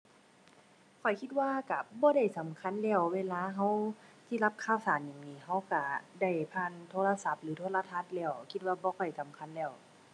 ข้อยคิดว่าก็บ่ได้สำคัญแล้ว เวลาก็สิรับข่าวสารอิหยังนี่ ก็ก็ได้ผ่านโทรศัพท์หรือโทรทัศน์แล้ว คิดว่าบ่ค่อยสำคัญแล้ว